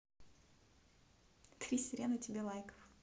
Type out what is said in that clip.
три серена тебе лайков